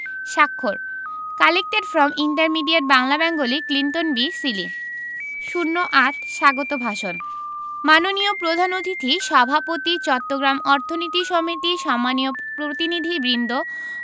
স্বাক্ষর collected from intermediate Bangla Bengali Clinton B সিলি ০৮ স্বাগত ভাষণ মাননীয় প্রধান অতিথি সভাপতি চট্টগ্রাম অর্থনীতি সমিতি সম্মানীয় প্রতিনিধিবৃন্দ